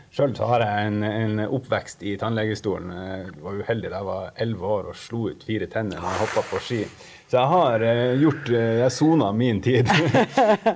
sjøl så har jeg en en oppvekst i tannlegestolen var uheldig da jeg var elleve år og slo ut fire tenner når jeg hoppa på ski så jeg har gjort jeg har sona min tid .